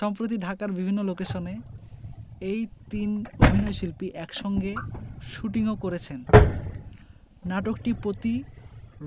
সম্প্রতি ঢাকার বিভিন্ন লোকেশনে এই তিন অভিনয়শিল্পী একসঙ্গে শুটিংও করেছেন নাটকটি প্রতি